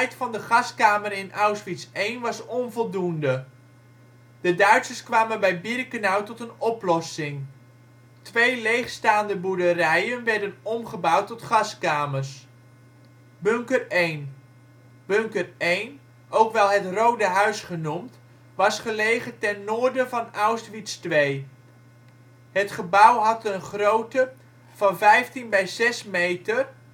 van de gaskamer in Auschwitz I was onvoldoende. De Duitsers kwamen bij Birkenau tot een oplossing: twee leegstaande boerderijen werden omgebouwd tot gaskamers. Bunker 1 Bunker 1, ook wel het " rode huis " genoemd, was gelegen ten noorden van Auschwitz II. Het gebouw had een grootte van 15×6 meter